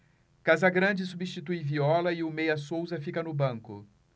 casagrande substitui viola e o meia souza fica no banco